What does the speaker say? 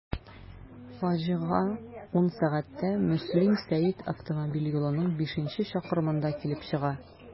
Фаҗига 10.00 сәгатьтә Мөслим–Сәет автомобиль юлының бишенче чакрымында килеп чыга.